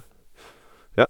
Ja.